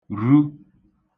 -ru